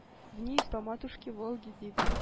-“вниз по матушке по волге...“,- дип